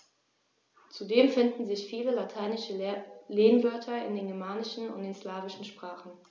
Zudem finden sich viele lateinische Lehnwörter in den germanischen und den slawischen Sprachen.